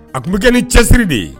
A tun bɛ kɛ ni cɛsiriri de ye